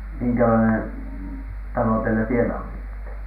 minkälainen talo teillä siellä oli sitten